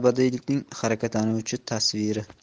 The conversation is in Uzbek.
abadiylikning harakatlanuvchi tasviri